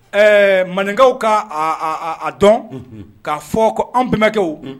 Ɛɛ maninkaw ka a dɔn k'a fɔ ko an bɛnbakɛw